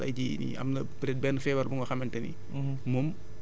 maanaam tey jii nii am na peut être benn feebar bu nga xamante ni